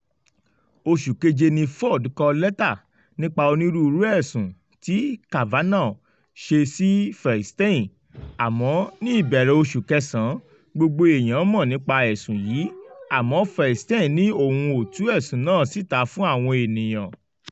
Oṣù keje ni Ford kọ lẹ́tà nípa onírúurú ẹ̀sùn tí Kavanaugh ṣè sí Feinstein, àmọ́ ní ìbẹ̀rẹ̀ oṣù kẹsàn-án, gbogbo èèyàn mọ̀ nípa ẹ̀sùn yí àmọ́ Feinstein ní òun ‘ò tú ẹ̀sùn náà síta fún àwọn èèyàn.